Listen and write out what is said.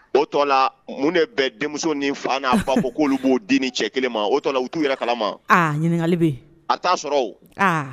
O tɔ mun de bɛ denmuso ni fa n' ba fo k' oluolu b'o den ni cɛ kelen ma o u t'uɛlɛn kalama ɲininka bɛ a t'a sɔrɔ